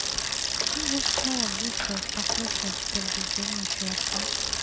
ну я выспалась встала покушала и теперь бездельничаю а ты